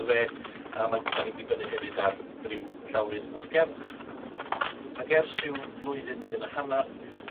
ar ddeg a ma- 'dan ni'n dibynnu hefyd ar griw llawrydd wrth gefn ac ers ryw flwyddyn, flwyddyn a hannar